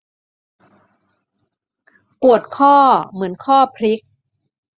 ปวดข้อเหมือนข้อพลิก